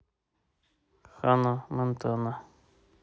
ханна монтана